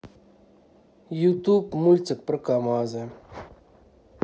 ютуб мультики про камазы